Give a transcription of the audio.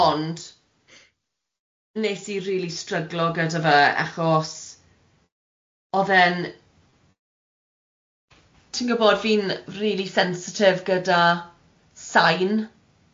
Ond wnes i rili stryglo gyda fe achos oedd e'n ti'n gwbod fi'n rili sensitif gyda sain.